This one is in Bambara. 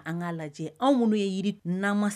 An'a lajɛ anw' ye yiri nama